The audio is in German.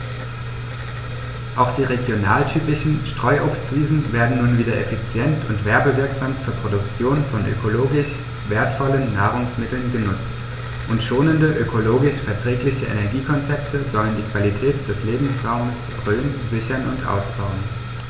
Auch die regionaltypischen Streuobstwiesen werden nun wieder effizient und werbewirksam zur Produktion von ökologisch wertvollen Nahrungsmitteln genutzt, und schonende, ökologisch verträgliche Energiekonzepte sollen die Qualität des Lebensraumes Rhön sichern und ausbauen.